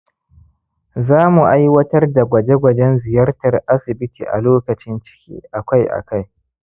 za mu aiwatar da gwaje-gwajen ziyartar asibiti a lokacin ciki akai-akai